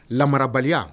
Larabaliya